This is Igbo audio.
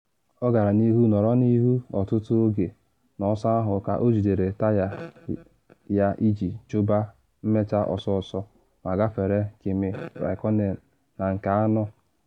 Ọ gara n’ihu nọrọ n’ihu ọtụtụ oge n’ọsọ ahụ ka o jidere taya ya iji chụba mmecha ọsọ ọsọ ma gafere Kimi Raikkonen na nke anọ.